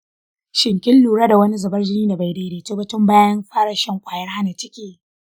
shin kin lura da wani zubar jini da bai daidaita ba tun bayan fara shan kwayar hana ciki ?